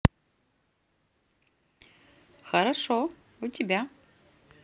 хорошо у тебя